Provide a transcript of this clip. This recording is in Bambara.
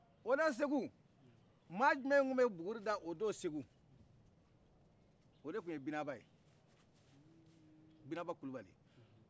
o don segu mɔgɔ jumɛn de tun bɛ burida o do segu o de tun ye binaba binaba kulubali